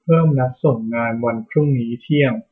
เพิ่มนัดส่งงานวันพรุ่งนี้เที่ยง